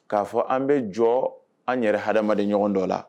K'a fɔ an bɛ jɔn, an yɛrɛ hadamaden ɲɔgɔn dɔ la.